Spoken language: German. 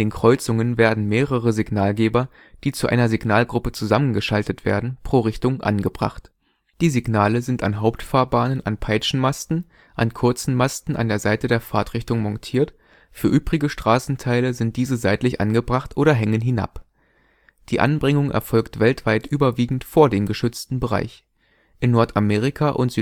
Kreuzungen werden mehrere Signalgeber, die zu einer Signalgruppe zusammengeschaltet werden, pro Richtung angebracht. Die Signale sind an Hauptfahrbahnen an Peitschenmasten, an kurzen Masten an der Seite der Fahrtrichtung montiert, für übrige Straßenteile sind diese seitlich angebracht oder hängen hinab. Die Anbringung erfolgt weltweit überwiegend vor dem geschützten Bereich. In Nordamerika und